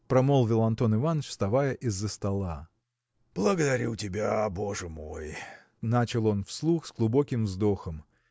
– промолвил Антон Иваныч, вставая из-за стола. Благодарю тебя боже мой – начал он вслух с глубоким вздохом